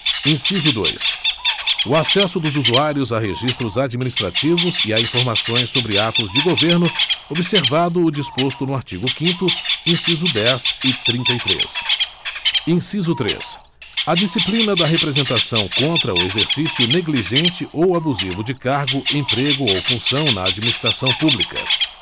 inciso dois o acesso dos usuários a registros administrativos e a informações sobre atos de governo observado o disposto no artigo quinto inciso dez e trinta e três inciso três a disciplina da representação contra o exercício negligente ou abusivo de cargo emprego ou função na administração pública